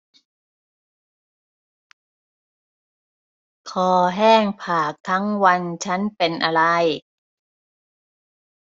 คอแห้งผากทั้งวันฉันเป็นอะไร